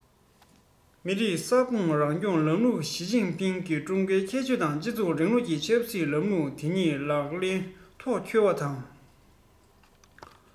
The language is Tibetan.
མི རིགས ས ཁོངས རང སྐྱོང ལམ ལུགས ཞིས ཅིན ཕིང གིས ཀྲུང གོའི ཁྱད ཆོས ཀྱི སྤྱི ཚོགས རིང ལུགས ཀྱི ཆབ སྲིད ལམ ལུགས དེ ཉིད ལག ལེན ཐོག འཁྱོལ བ དང